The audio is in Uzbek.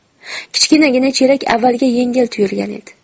kichkinagina chelak avvaliga yengil tuyulgan edi